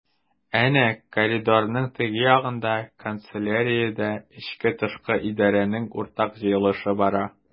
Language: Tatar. Әнә коридорның теге ягында— канцеляриядә эчке-тышкы идарәнең уртак җыелышы бара.